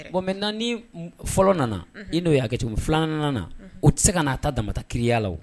Bon maintenant ni fɔlɔ nana i n'o y'a kɛcogo 2 nan na nan u tɛ se ka n'a ta damata kereya la o